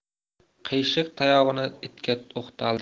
qiyshiq tayog'ini itga o'qtaldi